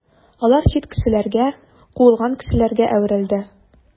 Алар чит кешеләргә, куылган кешеләргә әверелде.